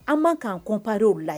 An man k'an kɔnprw la ye